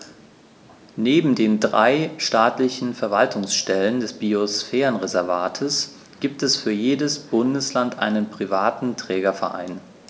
Neben den drei staatlichen Verwaltungsstellen des Biosphärenreservates gibt es für jedes Bundesland einen privaten Trägerverein.